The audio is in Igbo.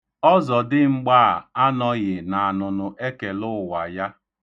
Ọzọdịmgba a anọghị n'anụnụ ekelụụwa ya.